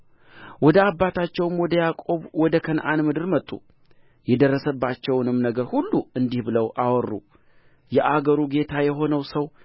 ወደ አባታቸውም ወደ ያዕቆብ ወደ ከነዓን ምድር መጡ የደረሰባቸውንም ነገር ሁሉ እንዲህ ብለው አወሩ የአገሩ ጌታ የሆነው ሰው